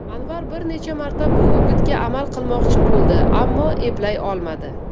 anvar bir necha marta bu o'gitga amal qilmoqchi bo'ldi ammo eplay olmadi